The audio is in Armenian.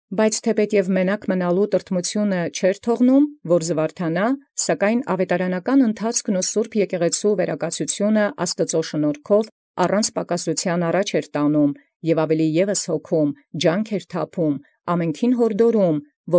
Բայց թէպէտ և միայնաւորութեանն տրտմութիւն չթողոյր զուարթանալ, սակայն զաւետարանական ընթացսն և զվերակացութիւնն սրբոյ եկեղեցւոյ շնորհաւքն Աստուծոյ առանց պակասութեան տանէր, և առաւել փութայր գուն եդեալ՝ զամենեսեան յորդորելով առ։